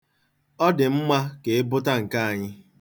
Ọ dị mma ka ịbụta nke anyị.